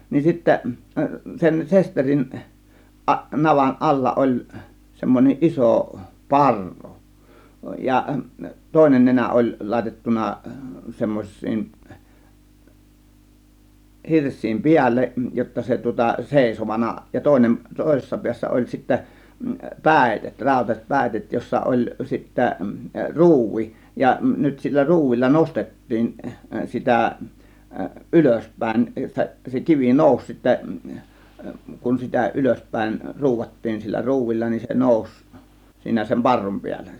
niin sitten sen sesterin - navan alla oli semmoinen iso parru ja toinen nenä oli laitettu semmoisten hirsien päälle jotta se tuota seisovana ja toinen toisessa päässä oli sitten päitset rautaiset päitset jossa oli sitten ruuvi ja nyt sillä ruuvilla nostettiin sitä ylöspäin se kivi nousi sitten kun sitä ylöspäin ruuvattiin sillä ruuvilla niin se nousi siinä sen parrun päälle